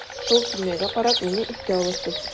Шул төймәгә карап мине искә алырсыз.